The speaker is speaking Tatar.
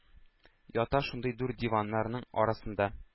Ята шунда дүрт диварның арасында.